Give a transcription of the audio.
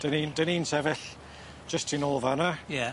'Dyn ni'n 'dyn ni'n sefyll jyst tu nôl fan 'na. Ie.